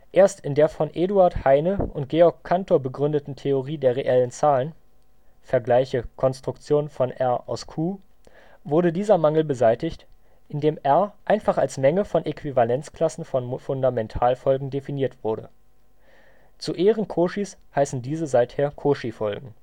Erst in der von Eduard Heine und Georg Cantor begründeten Theorie der reellen Zahlen (vgl. Konstruktion von R aus Q) wurde dieser Mangel beseitigt, indem R einfach als Menge von (Äquivalenzklassen von) Fundamentalfolgen definiert wurde. Zu Ehren Cauchys heißen diese seither Cauchy-Folgen